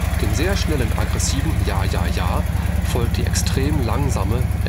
Dem sehr schnellen, aggressiven Ja Ja Ja folgt die extrem langsame